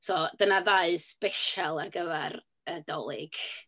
So dyna ddau sbesial ar gyfer y Dolig.